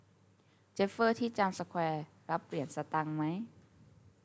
เจฟเฟอร์ที่จามสแควร์รับเหรียญสตางค์ไหม